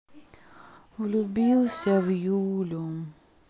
влюбился в юлю